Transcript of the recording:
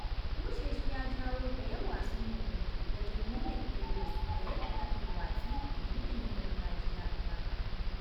Rushe shi ya jawo da yawa sun magantu wajen nuna ƙiyayyarsu ga yadda aka yi watsi da gine-ginen gargajiya na Dhaka.